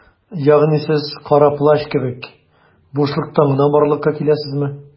Ягъни сез Кара Плащ кебек - бушлыктан гына барлыкка киләсезме?